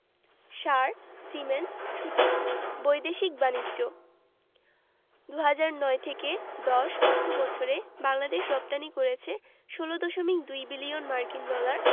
সার cement সুতা বৈদেশিক বাণিজ্যঃ ২০০৯ থেকে ১০ অর্থবছরে বাংলাদেশ রপ্তানি করেছে ১৬দশমিক ২ বিলিয়ন মার্কিন ডলার